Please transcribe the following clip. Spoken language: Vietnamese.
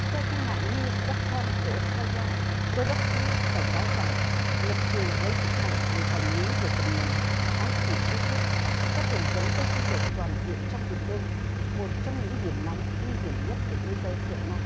theo trang mạng niu đốc com của ốt trây li a đô đốc sờ uýt cảnh báo rằng lập trường lấy sức mạnh để giành lý về phần mình ám chỉ trung quốc có thể dẫn tới xung đột toàn diện trong biển đông một trong những điểm nóng nguy hiểm nhất của thế giới hiện nay